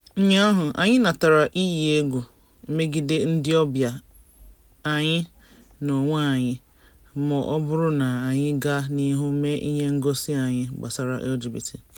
Ụnyaahụ, anyị natara iyi egwu megide ndịọbịa anyị na onwe anyị ma ọ bụrụ na anyị gaa n'ihu mee ihe ngosi anyị gbasara LGBT.